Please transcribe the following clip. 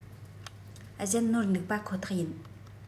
གཞན ནོར འདུག པ ཁོ ཐག ཡིན